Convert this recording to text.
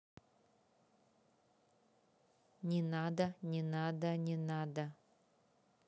не надо не надо не надо